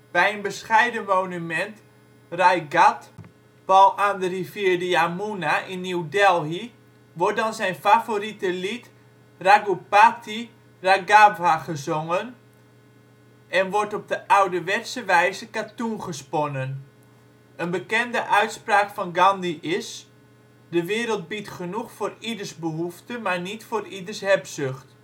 Bij een bescheiden monument Raj Ghat, pal aan de rivier de Yamuna in New Delhi, wordt dan zijn favoriete lied Raghupati Raghava gezongen en wordt op de ouderwetse wijze katoen gesponnen. Een bekende uitspraak van Gandhi is " De wereld biedt genoeg voor ieders behoefte, maar niet voor ieders hebzucht